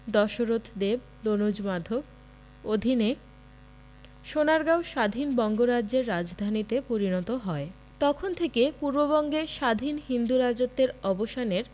দশরথদেব দনুজমাধব অধীনে সোনারগাঁও স্বাধীন বঙ্গরাজ্যের রাজধানীতে পরিণত হয় তখন থেকে পূর্ববঙ্গে স্বাধীন হিন্দু রাজত্বের অবসানের